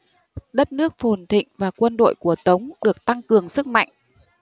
đất nước phồn thịnh và quân đội của tống được tăng cường sức mạnh